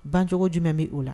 Bancogo jumɛn bɛ o la